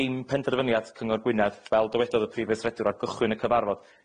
Dim penderfyniad Cyngor Gwynedd fel dywedodd y Prif Weithredwr ar gychwyn y cyfarfod,